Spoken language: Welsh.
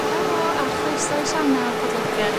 helo a chroeso i sianel podlediad...